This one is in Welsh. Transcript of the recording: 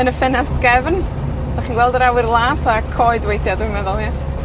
Yn y ffenast gefn? 'Dach chi'n gweld yr awyr las, a coed weithia' dwi'n meddwl ia?